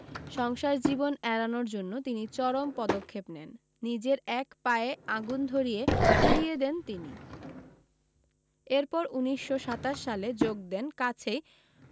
সংসার জীবন এড়ানোর জন্য তিনি চরম পদক্ষেপ নেন নিজের এক পায়ে আগুন ধরিয়ে পুড়িয়ে দেন তিনি এরপর উনিশশ সাতাশ সালে যোগ দেন কাছেই